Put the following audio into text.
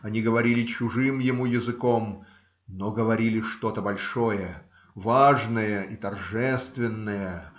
Они говорили чужим ему языком, но говорили что-то большое, важное и торжественное.